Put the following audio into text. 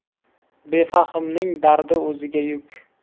befahmning dardi o'ziga yuk